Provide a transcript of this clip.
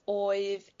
oedd